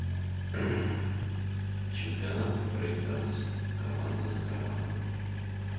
чемпионат по брейкдансу команда на команду